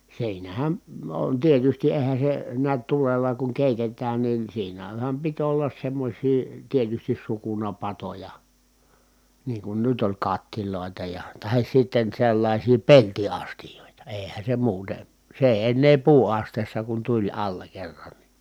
siinähän on tietysti eihän se näet tulella kun keitetään niin siinähän piti olla semmoisia tietysti sukunapatoja niin kun nyt oli kattiloita ja tai sitten sellaisia peltiastioita eihän se muuten se ei ennen puuastiassa kun tuli alla kerran niin